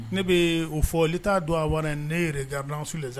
Ne bɛ o fɔli t'a don a wara ne yɛrɛ diyabila su le sa